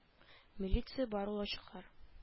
Милиция бар ул ачыклар